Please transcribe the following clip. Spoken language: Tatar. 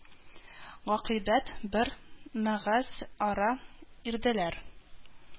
Гакыйбәт бер мәгазъ арә ирделәр